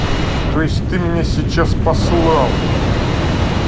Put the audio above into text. то есть ты у меня сейчас послал